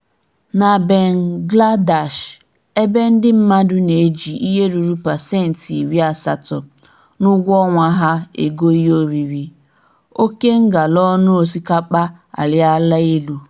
Na Bangladesh, ébé ndị mmadụ na-eji ihe ruru paseniti iri asatọ (80%) n'ụgwọ ọnwa ha ego ihe oriri, oke ngalaọnụ osikapa arịala elu.